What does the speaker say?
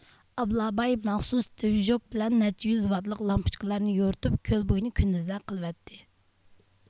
ئابلاباي مەخسۇس دىۋىژۈك بىلەن نەچچە يۈز ۋاتلىق لامپۇچكىلارنى يورۇتۇپ كۆل بويىنى كۈندۈزدەك قىلىۋەتتى